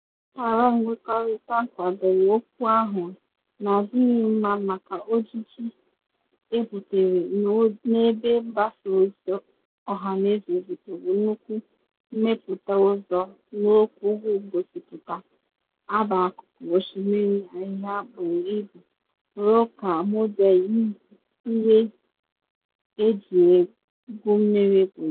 Akara nkwekọrịta kwadoro okpu ahụ na adịghị mma maka ojiji ebuputere n’ebe mgbasa ozi ọhaneze zipuru nnukwu mmepụta ọzọ n’okporo ngosipụta - agba akụkụ osimiri ahịhịa buru ibu ruo ka mọdel yi uwe eji egwu mmiri bu ya.